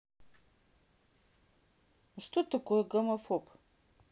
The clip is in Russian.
что такое гомофоб